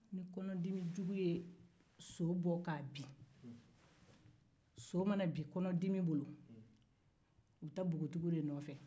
so mana bin kɔnɔdimi bolo u bɛ taa npogotigiw de nɔfɛ